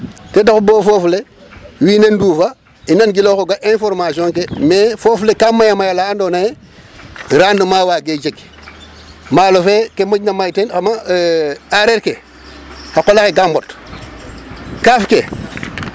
Ten taxu bo foof le wiin we ndufa i nangilooxooga information ke mais foof le ka may a may ala andoona yee rendement waagee jeg maalo fe ke moƴna may teen xawma aareer ke xa qool axe ga mbot kaaf ke.